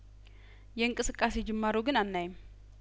የእንቅስቃሴ ጅማሮ ግን አና ይም